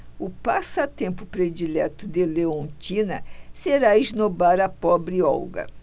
o passatempo predileto de leontina será esnobar a pobre olga